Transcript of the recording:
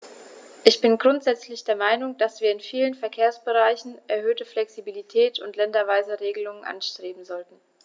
Ich bin grundsätzlich der Meinung, dass wir in vielen Verkehrsbereichen erhöhte Flexibilität und länderweise Regelungen anstreben sollten.